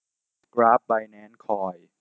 กราฟไบแนนซ์คอย